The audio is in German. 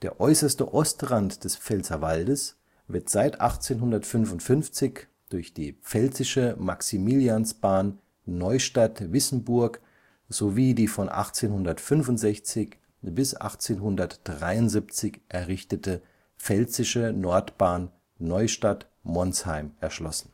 äußerste Ostrand des Pfälzerwaldes wird seit 1855 durch die Pfälzische Maximiliansbahn Neustadt – Wissembourg sowie die von 1865 bis 1873 errichtete die Pfälzische Nordbahn Neustadt – Monsheim erschlossen